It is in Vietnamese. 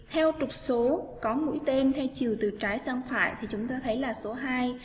theo trục số có mũi tên hai chiều từ trái sang phải thì chúng ta thấy là số